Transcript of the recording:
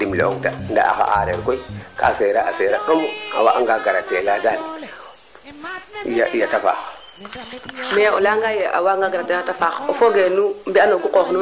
boo pare ndaa o xooxa nga koy jegiro kaa jawtoona sax na jegit kaa ax oxu refna bugaa fiya nel ndaa oxu refna no laŋke mat ñoowaa anda ye o fiyanel a fela lool ndaa o fiyoond moƴno fel